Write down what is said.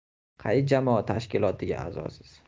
qaysi jamoat tashkilotiga a'zosiz